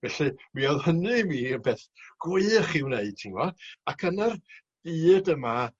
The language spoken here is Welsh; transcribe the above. Felly mi o'dd hynny i mi yn beth gwych i'w wneud ti'n wbod? ac ynar byd yma